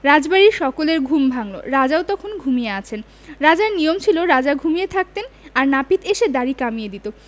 রাজবাড়ির সকলের ঘুম ভাঙল রাজা তখনও ঘুমিয়ে আছেন রাজার নিয়ম ছিল রাজা ঘুমিয়ে থাকতেন আর নাপিত এসে দাঁড়ি কমিয়ে দিত